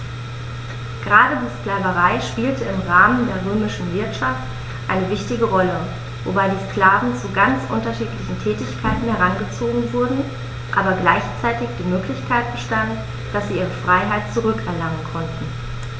Gerade die Sklaverei spielte im Rahmen der römischen Wirtschaft eine wichtige Rolle, wobei die Sklaven zu ganz unterschiedlichen Tätigkeiten herangezogen wurden, aber gleichzeitig die Möglichkeit bestand, dass sie ihre Freiheit zurück erlangen konnten.